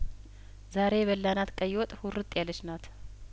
ዛሬ የበላናት ቀይወጥ ሁርጥ ያለችናት